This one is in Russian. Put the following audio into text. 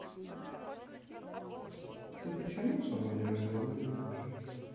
ты почему со мной не разговариваешь